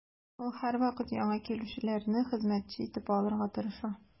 Ул һәрвакыт яңа килүчеләрне хезмәтче итеп алырга тырыша.